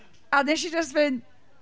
A wnes i jyst fynd...